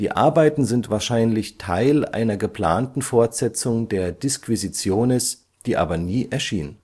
Arbeiten sind wahrscheinlich Teil einer geplanten Fortsetzung der Disquisitiones, die aber nie erschien